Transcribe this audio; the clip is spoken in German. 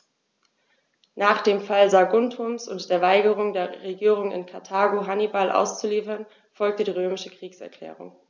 Nach dem Fall Saguntums und der Weigerung der Regierung in Karthago, Hannibal auszuliefern, folgte die römische Kriegserklärung.